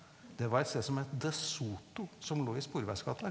det var et sted som het De Soto som lå i Sporveisgata.